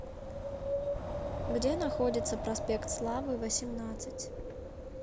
где находится проспект славы восемнадцать